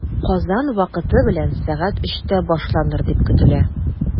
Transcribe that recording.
Казан вакыты белән сәгать өчтә башланыр дип көтелә.